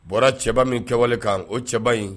Bɔra cɛba min kɛwale kan o cɛba in